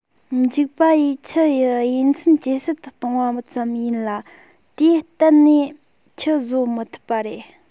འཇིག པ ཡིས ཁྱུ ཡི དབྱེ མཚམས ཇེ གསལ དུ གཏོང བ ཙམ ཡིན ལ དེས གཏན ནས ཁྱུ བཟོ མི ཐུབ པ རེད